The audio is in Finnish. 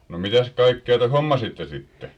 no mitäs kaikkea te hommasitte sitten